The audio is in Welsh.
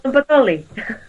Ma'n bodoli?